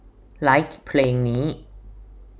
ไลค์เพลงนี้